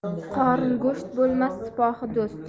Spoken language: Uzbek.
qorin go'sht bo'lmas sipohi do'st